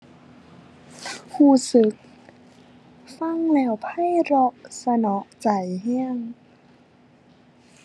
รู้สึกฟังแล้วไพรเราะเสนาะใจรู้